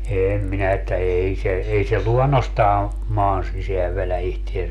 en minä että ei se ei se luonnostaan maan sisään vedä itseänsä